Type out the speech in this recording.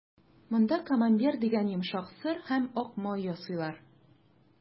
Монда «Камамбер» дигән йомшак сыр һәм ак май ясыйлар.